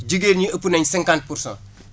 jigéen ñin ëpp nañ cinquante pour cent